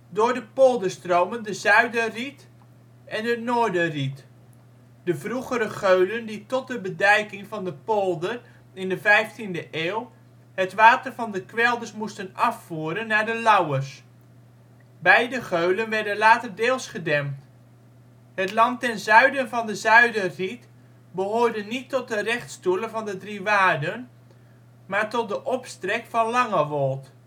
Door de polder stromen de Zuiderried en de Noorderried, de vroegere geulen die tot de bedijking van de polder in de 15e eeuw het water van de kwelders moesten afvoeren naar de Lauwers. Beide geulen werden later deels gedempt. Het land ten zuiden van de Zuiderried behoorde niet tot de rechtstoelen van de drie waarden, maar tot de opstrek van Langewold